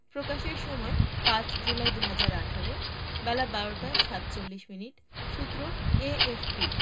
প্রকাশের সময় ৫ জুলাই ২০১৮ বেলা ১২টা ৪৭ মিনিট সূত্র এএফপি